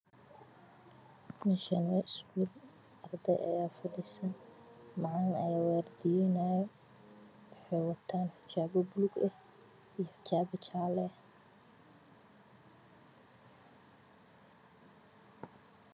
Meshan waa iskul arday aya fadhisa maclin aya wardiynayo waxay watan xijabo baluug eh io xijabo jale ah